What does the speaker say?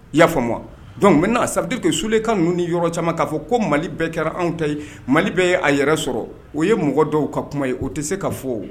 Y yafa'a faamuma dɔnkuc n bɛna a saradike sulen ka ninnu ni yɔrɔ caman k'a fɔ ko mali bɛɛ kɛra anw ta ye mali bɛɛ ye a yɛrɛ sɔrɔ o ye mɔgɔ dɔw ka kuma ye o tɛ se ka fɔ